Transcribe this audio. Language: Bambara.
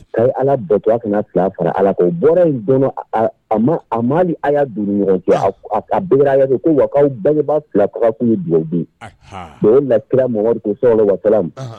A ye ala batura ka fila fara ala ko bɔra in dɔn a a ma a y yaa ɲɔgɔn ara' fɛ ko wakaw bangebaa fila tun ye bila bi o na kirara mɔgɔri ko la wa ma